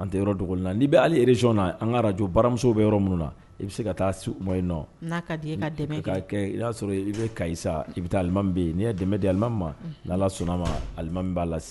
An tɛ yɔrɔ dɔgɔnin la n ni' bɛ' alarezson an ka ara jɔ baramuso bɛ yɔrɔ minnu na i bɛ se ka taa mɔ in nɔ i y'a sɔrɔ i bɛ kasa i bɛ taalimami n'i ye dɛmɛ di alima ma n'a sɔnna ma alima b'a lase